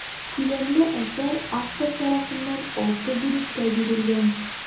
Күләмле әсәр автор тарафыннан алты бүлектә бирелгән.